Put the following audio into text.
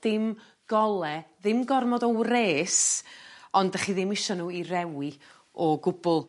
dim gole ddim gormod o wres ond 'dych chi ddim isio n'w i rewi o gwbwl.